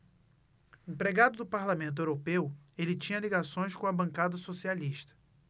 empregado do parlamento europeu ele tinha ligações com a bancada socialista